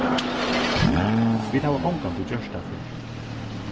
vit hava ongantíð gjørt tað fyrr